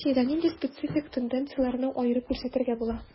Ә Россиядә нинди специфик тенденцияләрне аерып күрсәтергә була?